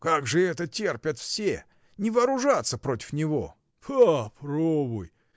— Как же это терпят все, не вооружатся против него? — Попробуй!